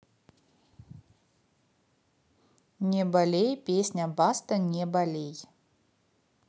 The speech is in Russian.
не болей песня баста не болей